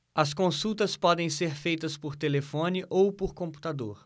as consultas podem ser feitas por telefone ou por computador